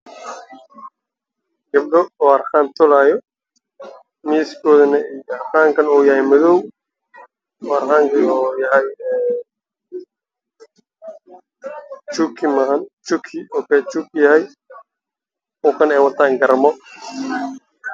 Waa gabdho harqaan tolaayo harqaanka midabkiisa waa madow